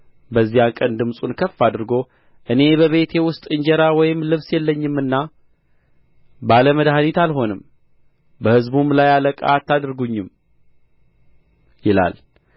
በዚያ ቀን ድምፁን ከፍ አድርጎ እኔ በቤቴ ውስጥ እንጀራ ወይም ልብስ የለኝምና ባለ መድኃኒት አልሆንም በሕዝቡም ላይ አለቃ አታደርጉኝም ይላል